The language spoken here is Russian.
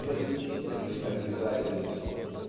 без истинной обязательности.